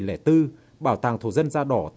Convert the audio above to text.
lẻ tư bảo tàng thổ dân da đỏ